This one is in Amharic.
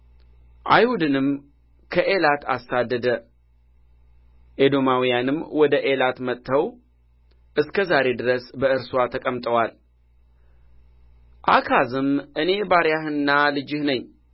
አይሁድንም ከኤላት አሳደደ ኤዶማውያንም ወደ ኤላት መጥተው እስከ ዛሬ ድረስ በእርስዋ ተቀምጠዋል አካዝም እኔ ባሪያህና ልጅህ ነኝ